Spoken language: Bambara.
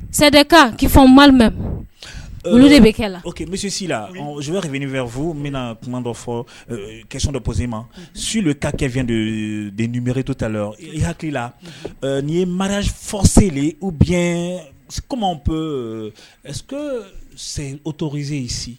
Sɛkan k' fɔ mame olu de bɛ kɛ la o misisi la su ka bɛ nin fo bɛna kuma dɔ fɔ kɛon dɔ p quesie ma su ka kɛfɛn de den nibreto ta i hakilila ni' ye mara fɔ selen u biɲɛ kɔnwp sɛ o toze in sigi